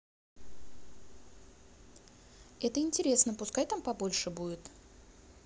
это интересно пускай там побольше будет